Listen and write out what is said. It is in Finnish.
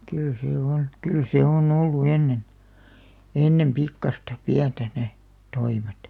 kyllä se on kyllä se on ollut ennen ennen pikkuista pientä ne toimet